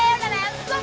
là